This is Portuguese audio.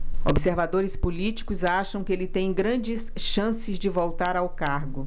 observadores políticos acham que ele tem grandes chances de voltar ao cargo